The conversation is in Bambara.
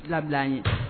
Filabila an ye